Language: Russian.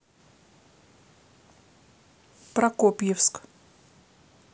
прокопьевск